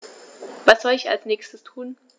Was soll ich als Nächstes tun?